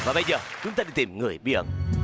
và bây giờ chúng ta đi tìm người bí ẩn